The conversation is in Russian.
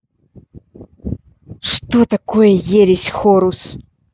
что такое ересь horus